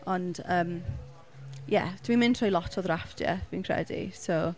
Ond yym ie dwi'n mynd trwy lot o ddrafftiau fi'n credu, so...